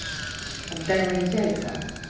отдай мои яйца